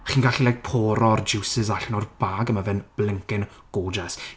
Chi'n gallu poro'r juices allan o'r bag a mae fe'n blinking gorgeous.